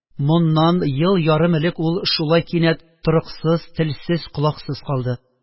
Моннан ел ярым элек ул шулай кинәт торыксыз, телсез, колаксыз калды